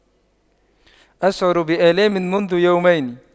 اشعر بآلام منذ يومين